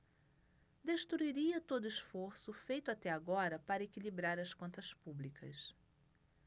destruiria todo esforço feito até agora para equilibrar as contas públicas